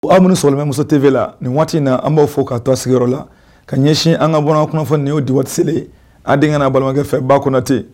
Aw minnu sɔgɔlen bɛ muso TV nin waati in na an b'aw fo k'a' to aw sigiyɔrɔ la, ka ɲɛsin an ka bamanankan kunnafoni nin y'o diwaati selen ye a' denkɛ n'a' balimakɛ fɛ Ba Konate